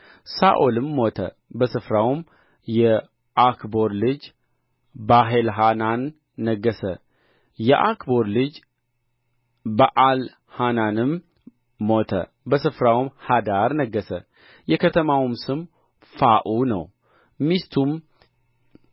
ሳኦልም ሞተ በስፍራውም የዓክቦር ልጅ በኣልሐናን ነገሠ የዓክቦር ልጅ በኣልሐናንም ሞተ በስፍራውም ሃዳር ነገሠ የከተማውም ስም ፋዑ ነው ሚስቱም